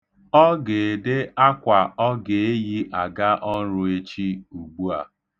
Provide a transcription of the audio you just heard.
Ọ ga-ede akwa ọ ga-eyi aga ọrụ echi, ugbua.